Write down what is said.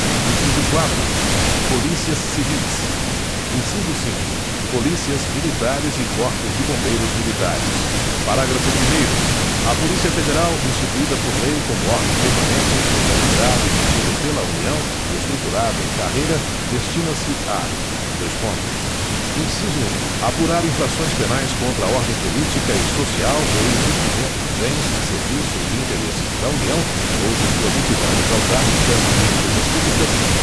inciso quatro polícias civis inciso cinco polícias militares e corpos de bombeiros militares parágrafo primeiro a polícia federal instituída por lei como órgão permanente organizado e mantido pela união e estruturado em carreira destina se a dois pontos inciso um apurar infrações penais contra a ordem política e social ou em detrimento de bens serviços e interesses da união ou de suas entidades autárquicas e empresas públicas